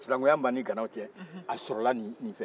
sinankuya min b'an ni ganaw cɛ a sɔrɔ la nin fɛ